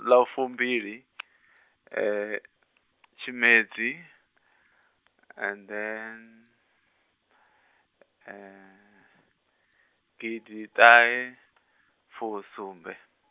ḽa vhu fumbili tshimedzi and then , gidiṱahefusumbe-.